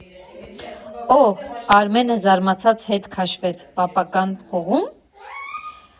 ֊ Օհ, ֊ Արմենը զարմացած հետ քաշվեց, ֊ պապական հողու՞մ…